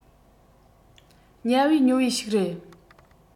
ཉབ བེ ཉོབ བེ ཞིག རེད